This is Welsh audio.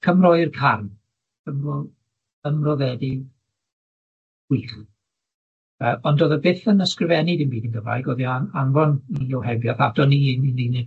Cymro i'r carn, Cymro ymroddedig gwych, yy ond o'dd e byth yn ysgrifennu dim byd yn Gymraeg, o'dd i an- anfon 'i ohebiaith aton ni yn yr uned